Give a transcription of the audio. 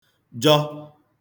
jọ